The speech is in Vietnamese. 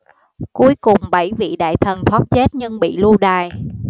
cuối cùng bảy vị đại thần thoát chết nhưng bị lưu đầy